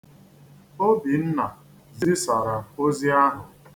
Obinna zisara ozi ahụ.